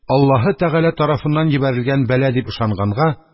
Аллаһе Тәгалә тарафыннан йибәрелгән бәла дип ышанганга,